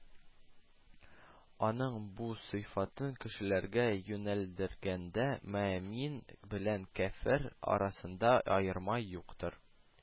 Аның бу сыйфатын кешеләргә юнәлдергәндә мөэмин белән кяфер арасында аерма юктыр